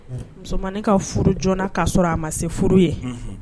Musomannin ka furu jna'a sɔrɔ a ma se furu ye